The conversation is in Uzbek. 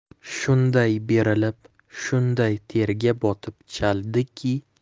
shunday berilib shunday terga botib chaldiki